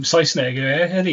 Saesneg i fe ydi?